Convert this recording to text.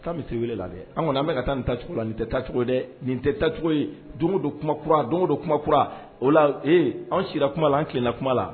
Tan bɛ tile wele la dɛ an kɔni an bɛ ka taa nin tacogo la nin tɛ tacogo dɛ nin tɛ tacogo ye don don kumakura don don kumakura o la ee an sira kuma la an tilenla kuma la